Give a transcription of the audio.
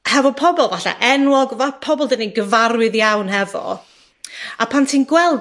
hefo pobol 'falle enwog fel pobol 'dyn ni'n gyfarwydd iawn hefo, a pan ti'n gweld